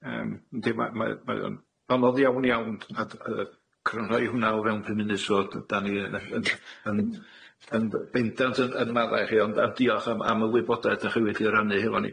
Yym yndi ma' mae o'n mae o'n anodd iawn iawn d- ad- yy crynhoi hwn'na o fewn pum munud. So d- 'dan ni yn yy yn yn yn b- bendant yn yn maddau i chi ond yy diolch am am y wybodaeth dach chi wedi rannu hefo ni.